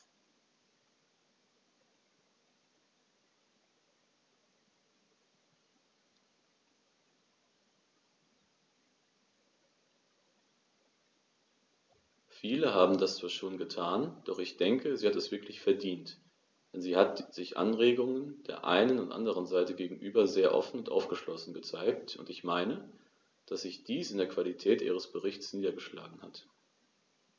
Viele haben das zwar schon getan, doch ich denke, sie hat es wirklich verdient, denn sie hat sich Anregungen der einen und anderen Seite gegenüber sehr offen und aufgeschlossen gezeigt, und ich meine, dass sich dies in der Qualität ihres Berichts niedergeschlagen hat.